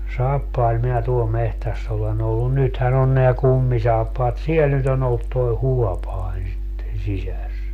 saappailla minä tuolla metsässä olen ollut nythän on nämä kummisaappaat siellä nyt on ollut tuo huopanen sitten sisässä